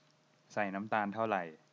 ใส่น้ำตาลเท่าไร